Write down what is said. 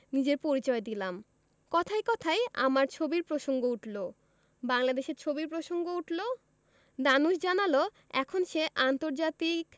নিজের পরিচয় দিলাম কথায় কথায় আমার ছবির প্রসঙ্গ উঠলো বাংলাদেশের ছবির প্রসঙ্গ উঠলো ধানুশ জানালো এখন সে আন্তর্জাতিক